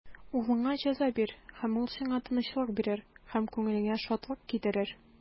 Углыңа җәза бир, һәм ул сиңа тынычлык бирер, һәм күңелеңә шатлык китерер.